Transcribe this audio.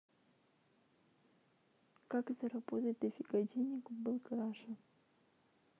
как заработать дофига денег в black russia